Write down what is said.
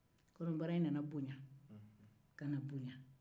kɔnɔbara in nana boɲa ka na boɲa